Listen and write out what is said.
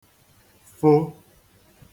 -fo